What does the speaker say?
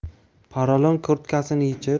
paralon kurtkasini yechib